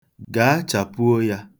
Gaa, chapuo ya.